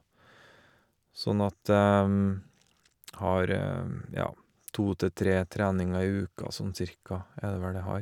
Sånn at jeg har, ja, to til tre treninger i uka, sånn cirka, er det vel jeg har.